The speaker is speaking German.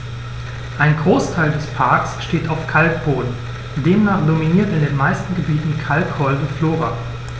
Ein Großteil des Parks steht auf Kalkboden, demnach dominiert in den meisten Gebieten kalkholde Flora.